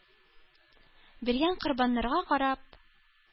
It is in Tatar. Биргән корбаннарга карап